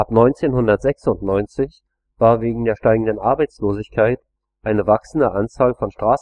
1996 war wegen der steigenden Arbeitslosigkeit eine wachsende Anzahl von Straßenblockaden